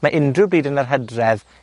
ma' unryw bryd yn yr Hydref